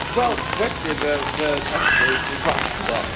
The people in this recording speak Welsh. wel wedyn ma' o'n... ma' o'n esgaleitio faster